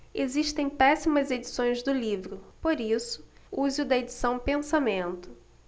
existem péssimas edições do livro por isso use o da edição pensamento